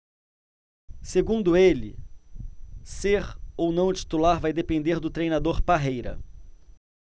segundo ele ser ou não titular vai depender do treinador parreira